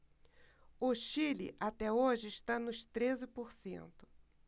o chile até hoje está nos treze por cento